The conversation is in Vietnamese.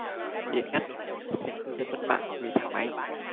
điện ngắt đột ngột khiến cư dân mất mạng vì thang máy